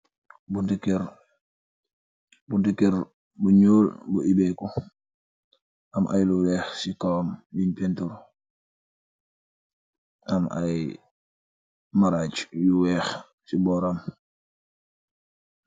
Buntu ker, buntu ker bu ñuul bu ubeeku. Am ay lu weex si kowam, luñ peentur. Am ay maraage yu weex, si bóoram.